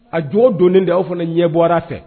A jo don de aw fana ɲɛ bɔra fɛ